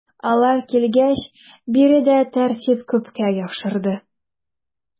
Алар килгәч биредә тәртип күпкә яхшырды.